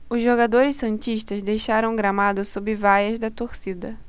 os jogadores santistas deixaram o gramado sob vaias da torcida